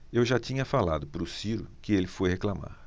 eu já tinha falado pro ciro que ele foi reclamar